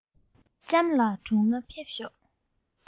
ལྕམ ལགས གྲུང ན ཕེབས ཤོག